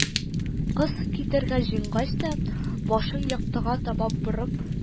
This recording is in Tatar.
Кыз китәргә җыенгач та, башын яктыга таба борып: